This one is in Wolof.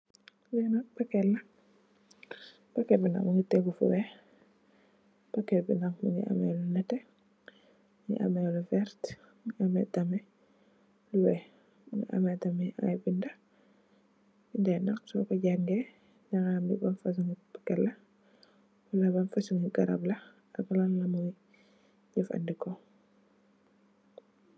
Lee nak packet la packet be muge tegu fu weex packet be nak muge ameh lu neteh muge ameh lu verte muge ameh tamin lu weex muge ameh tamin aye beda beda ye nak soku jange daga ham le ban fosunge packet la wala ban fosunge garab la ak lanlamoye jefaneku.